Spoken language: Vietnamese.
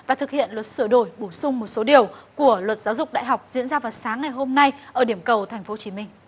và thực hiện luật sửa đổi bổ sung một số điều của luật giáo dục đại học diễn ra vào sáng ngày hôm nay ở điểm cầu thành phố hồ chí minh